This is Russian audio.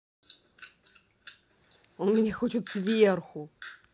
он меня хочет сверху